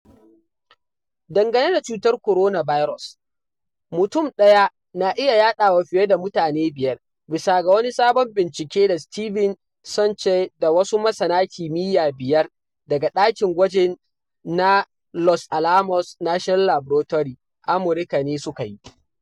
Dangane da cutar coronavirus, mutum ɗaya na iya yaɗa wa fiye da mutane biyar, bisa ga wani sabon bincike da Steven Sanche da wasu masana kimiyya biyar daga ɗakin gwajin na Los Alamos National Laboratory, Amurka ne suka yi.